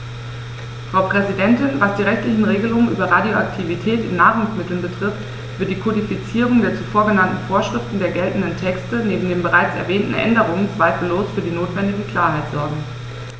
Frau Präsidentin, was die rechtlichen Regelungen über Radioaktivität in Nahrungsmitteln betrifft, wird die Kodifizierung der zuvor genannten Vorschriften der geltenden Texte neben den bereits erwähnten Änderungen zweifellos für die notwendige Klarheit sorgen.